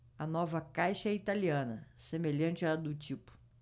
a nova caixa é italiana semelhante à do tipo